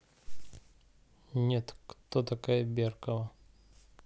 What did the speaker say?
нет кто такая беркова